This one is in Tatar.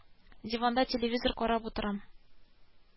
Диванда телевизор карап утырам